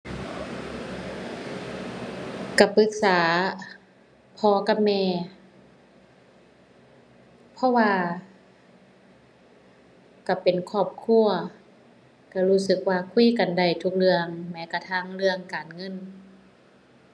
ก็ปรึกษา พ่อกับแม่ เพราะว่า ก็เป็นครอบครัว ก็รู้สึกว่าคุยกันได้ทุกเรื่องแม้กระทั่งเรื่องการเงิน